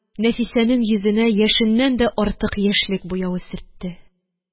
Нәфисәнең йөзенә яшеннән дә артык яшьлек буявы сөртте